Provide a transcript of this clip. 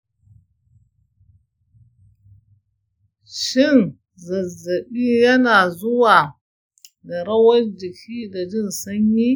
shin zazzabin yana zuwa da rawar jiki da jin sanyi?